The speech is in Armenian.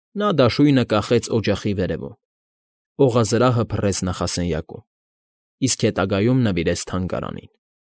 Նա դաշույնը կախեց օջախի վերևում։ Օղազրահը փռեց նախասենյակում, իսկ հետագայում նվիրեց թանգարանին։